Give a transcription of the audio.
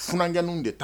Fgɛnw de taa